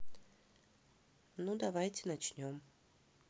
ну давайте начнем